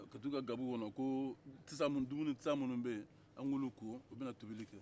ka taa u gabugu kɔnɔ ko duminitisa minnu bɛ yen an k'olu ko u bɛna tobili kɛ